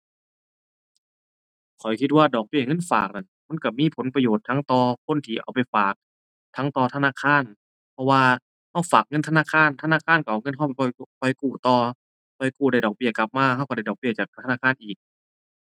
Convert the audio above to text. ข้อยคิดว่าดอกเบี้ยเงินฝากนั่น มันก็มีผลประโยชน์ทั้งต่อคนที่เอาไปฝาก ทั้งต่อธนาคาร เพราะว่าก็ฝากเงินธนาคารธนาคารก็เอาเงินก็ไปปล่อยปล่อยกู้ต่อ ปล่อยกู้ได้ดอกเบี้ยกลับมา ก็ก็ได้ดอกเบี้ยจากธนาคารอีก